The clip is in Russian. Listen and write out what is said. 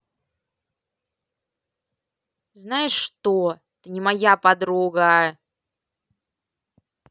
знаешь что ты не моя подруга